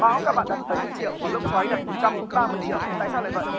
bão các bạn đặt bảy mươi triệu và lốc xoáy đặt một trăm ba mươi triệu tại sao lại vậy